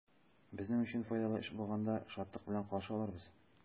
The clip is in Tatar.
Безнең өчен файдалы эш булганда, шатлык белән каршы алырбыз.